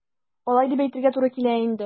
Алай дип әйтергә туры килә инде.